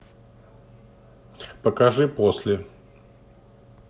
покажи после